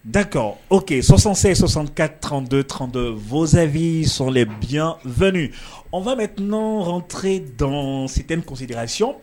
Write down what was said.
D'accord ok 76 64 32 32 vos avis sont les bienvenues, ont va maintenant rentrer dans certaines considérations